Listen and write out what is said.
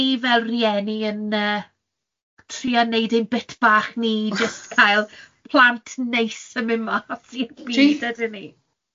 ni fel rieni yn yy, trio 'neud ein bit bach ni i jyst cael plant neis yn mynd ma's i'r byd, yndyn ni?